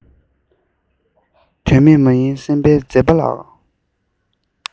དོན མེད མ ཡིན སེམས དཔའི མཛད པ ལགས